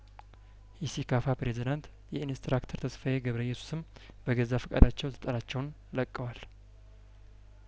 የሴካፋ ፕሬዚዳንት የኢንስትራክተር ተስፋዬ ገብረእየሱስም በገዛ ፍቃዳቸው ስልጣናቸውን ለቀዋል